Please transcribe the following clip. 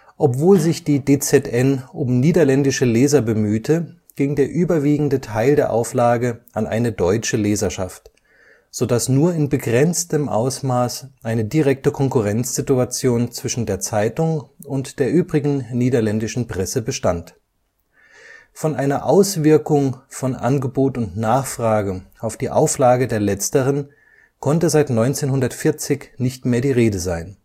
Obwohl sich die DZN um niederländische Leser bemühte, ging der überwiegende Teil der Auflage an eine deutsche Leserschaft, sodass nur in begrenztem Ausmaß eine direkte Konkurrenzsituation zwischen der Zeitung und der übrigen niederländischen Presse bestand. Von einer Auswirkung von Angebot und Nachfrage auf die Auflage der letzteren konnte seit 1940 nicht mehr die Rede sein